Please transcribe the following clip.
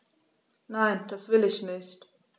Nein, das will ich nicht.